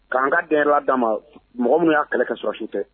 K'an ka den d da ma mɔgɔ minnu y'a kɛlɛ kɛ susi tɛ